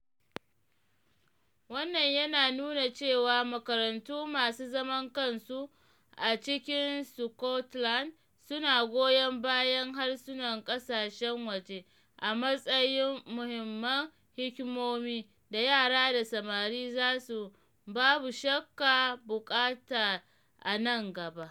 Wannan yana nuna cewa makarantu masu zaman kansu a cikin Scotland suna goyon bayan harsunan ƙasashen waje a matsayin muhimman hikimomi da yara da samari za su babu shakka buƙata a nan gaba.